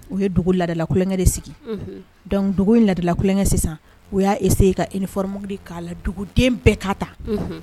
U ye dugu laadala tulonkɛ de sigi, unhun, donc dugu in laadala tulonkɛ sisan, u y'a essayer ka uniforme k'a la duguden bɛɛ k'a ta